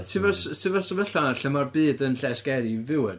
Tibod tibod y sefyllfa 'na lle ma'r byd yn lle scary i fyw yn.